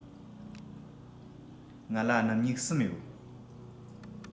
ང ལ སྣུམ སྨྱུག གསུམ ཡོད